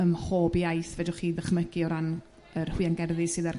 ym mhob iaith fedrwch chi ddychmygu o ran yr hwiangerddi sydd a'r